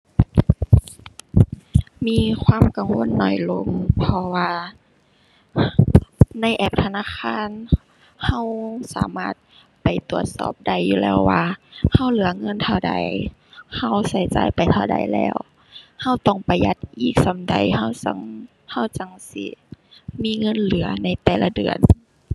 มีความกังวลน้อยลง เพราะว่าในแอปธนาคารเราสามารถไปตรวจสอบได้อยู่แล้วว่าเราเหลือเงินเท่าใด เราเราจ่ายไปเท่าใดแล้ว เราต้องประหยัดอีกส่ำใดเราจั่ง เราจั่งสิมีเงินเหลือในแต่ละเดือน